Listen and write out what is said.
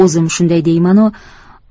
o'zim shunday deymanu